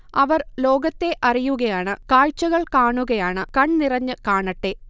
അവർ ലോകത്തെ അറിയുകയാണ് കാഴ്ചകൾ കാണുകയാണ് കൺനിറഞ്ഞ് കാണട്ടെ